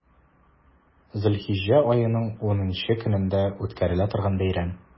Зөлхиҗҗә аеның унынчы көнендә үткәрелә торган бәйрәм.